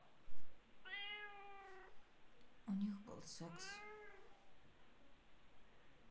у них был секс